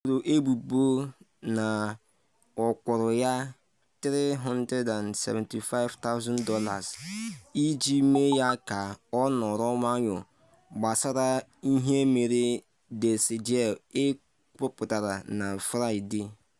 Eboro ebubo na ọ kwụrụ ya $375,000 iji mee ya ka ọ nọrọ nwayọọ gbasara ihe mere, Der Spiegel kwuputara na Fraịde.